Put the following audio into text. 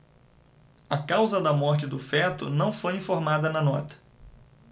a causa da morte do feto não foi informada na nota